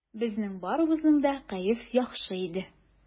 Безнең барыбызның да кәеф яхшы иде.